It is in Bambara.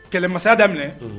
Kɛlɛmasaya daminɛ minɛ